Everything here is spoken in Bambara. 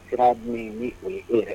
Sira min ni o ye e yɛrɛ